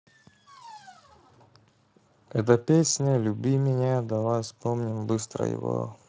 эта песня люби меня дома давай вспомним быстро его